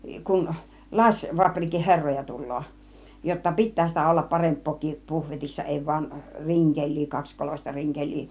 kun lasifapriikin herroja tulee jotta pitää sitä olla parempaakin puhvetissa ei vain rinkeliä kaksikoloista rinkeliä